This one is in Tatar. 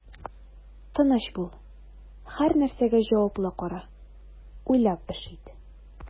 Тыныч бул, һәрнәрсәгә җаваплы кара, уйлап эш ит.